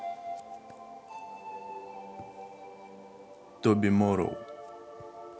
tobimorrow